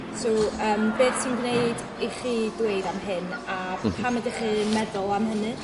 So yym beth sy'n gwneud i chi dweud am hyn a... M-hm. ...pam ydych chi'n meddwl am hynny?